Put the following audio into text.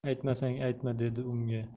aytmasang aytma dedi unga